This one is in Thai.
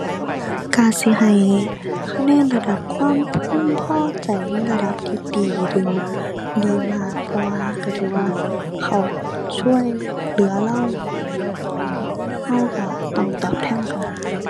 ก็สิให้คะแนนระดับความพึงพอใจในระดับที่ดีถึงดีมาก เพราะว่าก็ถือว่า เขาช่วยเหลือเรา ก็ก็ต้องตอบแทนเขา